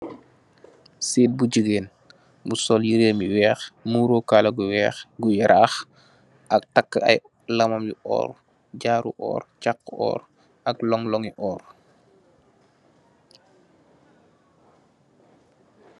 Seet bu jigeen bu sol yerem yu weex moro kala gu weex bu yarax ak taka ay lamam yu oor jaaru oor cxaxa oor ak lunlungi oor.